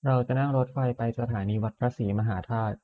เราจะนั่งรถไฟไปสถานีวัดพระศรีมหาธาตุ